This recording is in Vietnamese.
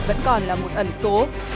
vẫn còn là một ẩn số